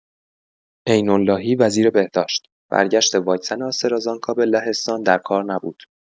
عین‌اللهی وزیربهداشت: برگشت واکسن آسترازنکا به لهستان در کار نبود.